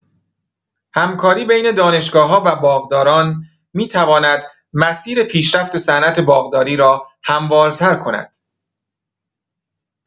همکاری بین دانشگاه‌‌ها و باغداران می‌تواند مسیر پیشرفت صنعت باغداری را هموارتر کند.